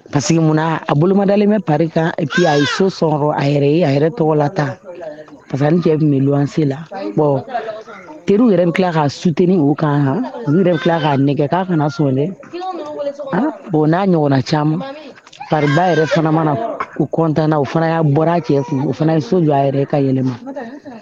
Pa que mun a boloda bɛ papi a ye so a yɛrɛ ye a yɛrɛ tɔgɔ lata pasajɛ wanse la teriuruw yɛrɛ tila ka suteni u kan n yɛrɛ ka nɛgɛkan kana so dɛ bon n'a ɲɔgɔnna caman pa yɛrɛ fanama na u kɔntanna u fana y'a bɔra a cɛ u fana ye so jɔ a yɛrɛ ka yɛlɛmama